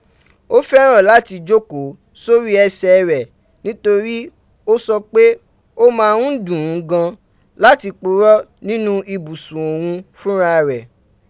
Ó fẹ́ràn láti jókòó sórí ẹsẹ̀ rẹ̀ nítorí ó sọ pé ó máa ń dùn ún gan láti purọ́ nínú ibùsùn òun fúnra rẹ̀.